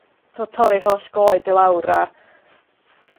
t'o' torri'r holl goed i lawr a